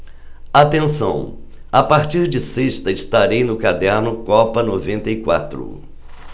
atenção a partir de sexta estarei no caderno copa noventa e quatro